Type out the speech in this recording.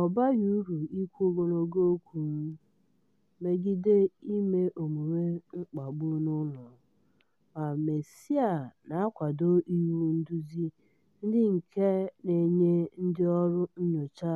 Ọ baghị uru ikwu ogologo okwu megide ime omume mkpagbu n'ụlọ ma mesịa na-akwado iwu nduzi ndị nke na-enye ndị ọrụ nnyocha